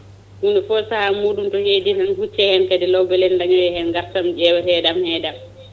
hunde fo saaha muɗum so heedi tan hucce hen kadi law beele en dañoya hen gartam ƴeweteɗam hen ɗam